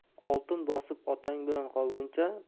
oltin boslui otang bilan qolguncha